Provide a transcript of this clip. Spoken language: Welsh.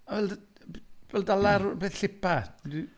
Fel, fel dala rhywbeth llipa yd-...